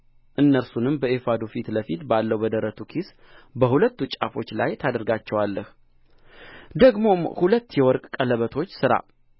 እነርሱንም በኤፉዱ ፊት ለፊት ባለው በደረቱ ኪስ በሁለቱ ጫፎች ላይ ታደርጋቸዋለህ ደግሞም ሁለት የወርቅ ቀለበቶች ሥራ